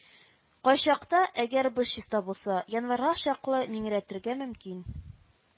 Кайчакта, әгәр боз чиста булса, январьга чаклы миңрәтергә мөмкин